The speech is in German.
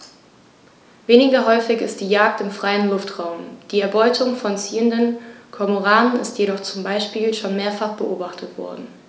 Weniger häufig ist die Jagd im freien Luftraum; die Erbeutung von ziehenden Kormoranen ist jedoch zum Beispiel schon mehrfach beobachtet worden.